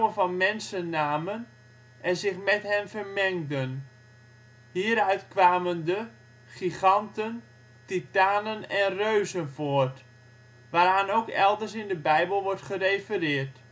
van mensen namen en zich met hen vermengden. Hieruit kwamen de (Hebreeuws: nephilim) giganten, titanen of reuzen voort, waaraan ook elders in de Bijbel wordt gerefereerd